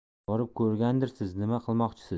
borib ko'rgandirsiz nima qilmoqchisiz